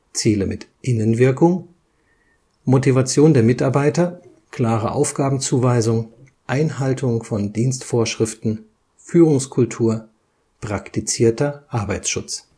Ziele mit Innenwirkung: Motivation der Mitarbeiter, klare Aufgabenzuweisung, Einhaltung von Dienstvorschriften, Führungskultur, praktizierter Arbeitsschutz